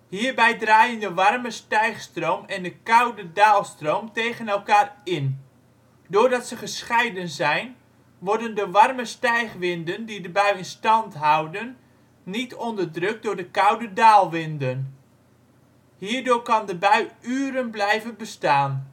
Hierbij draaien de warme stijgstroom en de koude daalstroom tegen elkaar in. Doordat ze gescheiden zijn, worden de warme stijgwinden die de bui in stand houden niet onderdrukt door de koude daalwinden. Hierdoor kan de bui uren blijven bestaan